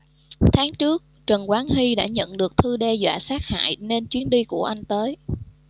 tháng trước trần quán hy đã nhận được thư đe dọa sát hại nên chuyến đi của anh tới